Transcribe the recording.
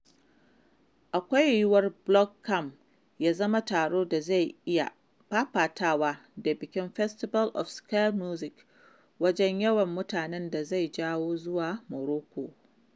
Akwai yiwuwar Blog Camp ya zama taron da zai iya fafatawa da bikin Festival of Sacred Music wajen yawan mutanen da zai jawo zuwa Morocco.